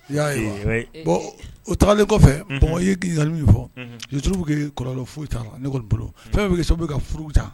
I y'a ye bɔn o tagalen kɔfɛ bamakɔ y' k'i min fɔuru bɛ kɛ kɔrɔ foyi ne bolo fɛn bɛ bɛ ka furu bɛyita